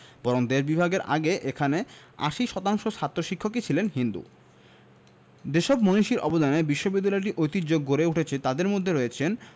বরং দেশ বিভাগের আগে এখানে ৮০% ছাত্র শিক্ষকই ছিলেন হিন্দু যেসব মনীষীর অবদানে বিশ্ববিদ্যালয়টির ঐতিহ্য গড়ে উঠেছে তাঁদের মধ্যে রয়েছেন